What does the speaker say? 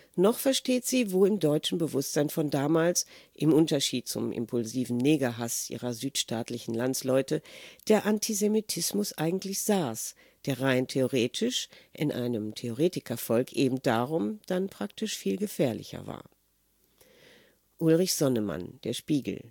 noch versteht sie, wo, im deutschen Bewusstsein von damals, im Unterschied zum impulsiven Negerhass ihrer südstaatlichen Landsleute, der Antisemitismus eigentlich saß, der rein theoretisch, in einem Theoretikervolk eben darum dann praktisch viel gefährlicher war... " (Ulrich Sonnemann, Der Spiegel